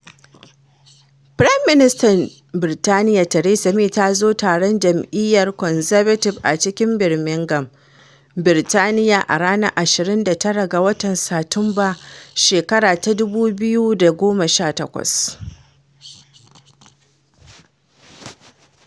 Firaministan Birtaniyya Theresa May ta zo Taron Jam’iyyar Conservative a cikin Birmingham, Birtaniyya, a ranar 29 ga Satumba, 2018.